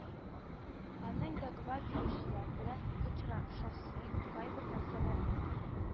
Аның дәгъва бирүчеләр белән очрашасы, кайбер нәрсәләрне